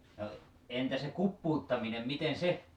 no entä se kuppuuttaminen miten se